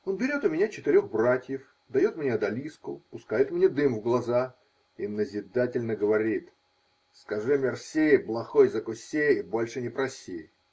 Он берет у меня четырех братьев, дает мне одалиску, пускает мне дым в глаза и назидательно говорит: -- Скажи мерси, блохой закуси и больше не проси.